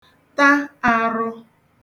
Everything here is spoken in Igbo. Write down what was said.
ta àrụ